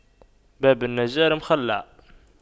باب النجار مخَلَّع